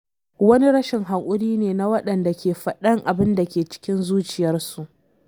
Wani rashin haƙuri ne na waɗanda ke faɗan abin da ke cikin zuciyarsu